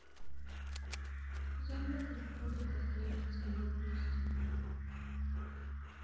замок в борках липецкой области